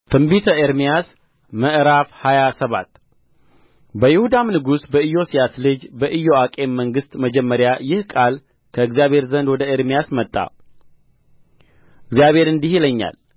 ትንቢተ ኤርምያስ ምዕራፍ ሃያ ሰባት በይሁዳ ንጉሥ በኢዮስያስ ልጅ በኢዮአቄም መንግሥት መጀመሪያ ይህ ቃል ከእግዚአብሔር ዘንድ ወደ ኤርምያስ መጣ እግዚአብሔር እንዲህ ይለኛል